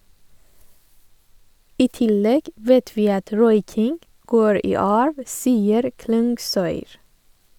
- I tillegg vet vi at røyking går i arv, sier Klungsøyr.